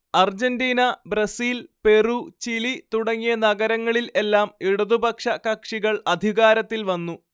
Argentina Brazil Peru Chile തുടങ്ങിയ നഗരങ്ങളിൽ എല്ലാം ഇടതുപക്ഷ കക്ഷികൾ അധികാരത്തിൽ വന്നു